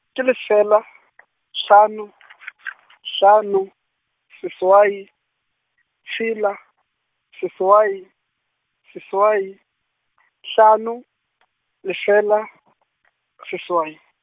ke lefela , hlano , hlano, seswai, tshela, seswai, seswai, hlano, lefela , seswai.